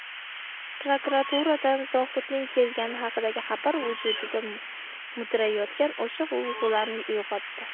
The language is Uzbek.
prokuraturadan zohidning kelgani haqidagi xabar vujudida mudrayotgan o'sha g'ulg'ulani uyg'otdi